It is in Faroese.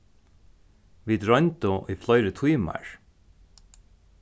vit royndu í fleiri tímar